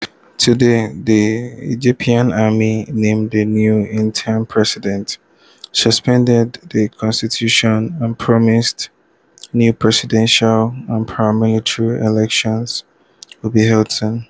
Today, the Egyptian army named a new interim president, suspended the constitution and promised new presidential and parliamentary elections will be held soon.